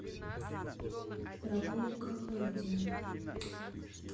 прогулки по воде